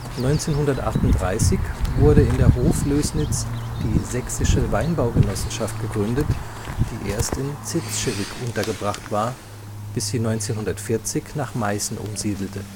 1938 wurde in der Hoflößnitz die Sächsische Weinbaugenossenschaft gegründet, die erst in Zitzschewig untergebracht war, bis sie 1940 nach Meißen umsiedelte